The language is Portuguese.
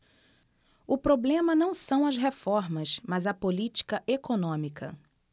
o problema não são as reformas mas a política econômica